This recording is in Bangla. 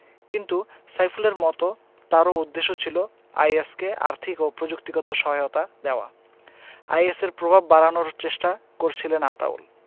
কিন্তু সাইফুলের মতো তারও উদ্দেশ্য ছিল আইএস কে আর্থিক ও প্রযুক্তিগত সহায়তা দেওয়া আইএসের প্রভাব বাড়ানোর চেষ্টা করছিলেন আতাউল